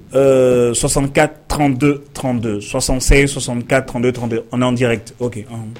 Eee 64 32 32 76 64 32 32 on est en direct ok ɔhɔn